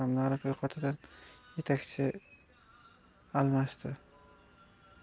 boy odamlar ro'yxatida yetakchi almashdi